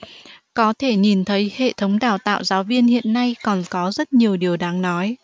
có thể nhìn thấy hệ thống đào tạo giáo viên hiện nay còn có rất nhiều điều đáng nói